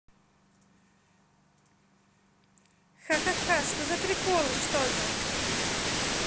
ха ха ха что за приколы что то